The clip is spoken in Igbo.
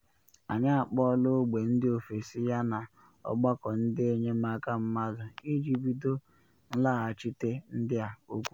“Anyị akpọọla ogbe ndị ofesi yana ọgbakọ ndị enyemaka mmadụ iji bido nlaghachite ndị a,” o kwuru.